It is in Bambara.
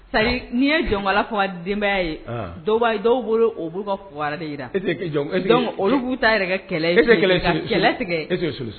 Sabu n'i ye jɔnbala ko denbayaya ye dɔw dɔw bolo olu kawa de olu'u ta